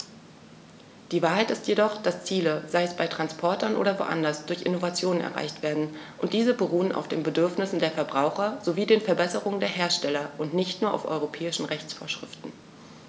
Die Wahrheit ist jedoch, dass Ziele, sei es bei Transportern oder woanders, durch Innovationen erreicht werden, und diese beruhen auf den Bedürfnissen der Verbraucher sowie den Verbesserungen der Hersteller und nicht nur auf europäischen Rechtsvorschriften.